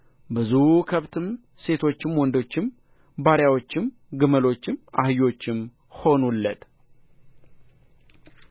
ብዙም ከብት ሴቶችም ወንዶችም ባሪያዎች ግመሎችም አህዮችም ሆኑለት